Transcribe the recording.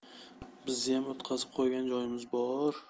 bizziyam o'tqazib qo'ygan joyimiz bor